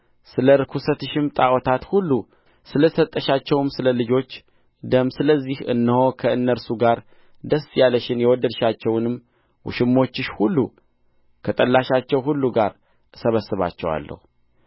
ስለ ርኵሰትሽም ጣዖታት ሁሉ ስለ ሰጠሻቸውም ስለ ልጆች ደም ስለዚህ እነሆ ከእነርሱ ጋር ደስ ያለሽን የወደድሻቸውንም ውሽሞችሽ ሁሉ ከጠላሻቸው ሁሉ ጋር እሰበስባቸዋለሁ